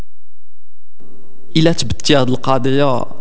اتجاه القبله